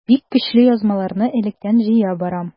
Бик көчле язмаларны электән җыя барам.